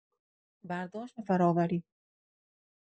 برداشت و فرآوری